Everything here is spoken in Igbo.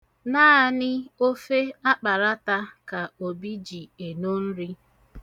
Naanị ofe akparata ka Obi ji eno nri.